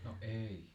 no ei